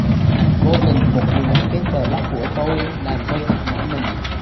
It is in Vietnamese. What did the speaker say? vô tình một người nhắc đến blog của tôi làm tôi giật nẩy mình